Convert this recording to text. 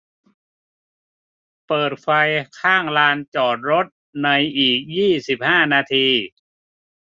เปิดไฟข้างลานจอดรถในอีกยี่สิบห้านาที